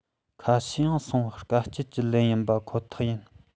ཁ ཤས ཡང སོང དཀའ སྤྱད ཀྱི ལམ ཡིན པ ཁོ ཐག ཡིན